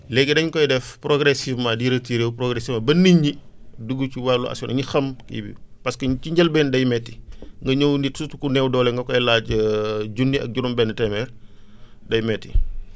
léegi dañ koy def progressivement di retier progressivement ba nit ñi dugg ci wàllu assur ñu xam kii bi parce que ci njëlbeen day métti nga ñëw nit surtout ku néew doole nga koy laaj junni ak juróom-benn téeméer day métti